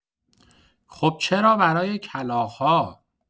خب چرا برای کلاغ‌ها؟!